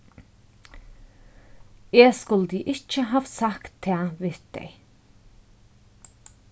eg skuldi ikki havt sagt tað við tey